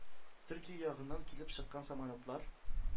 Төркия ягыннан килеп чыккан самолетлар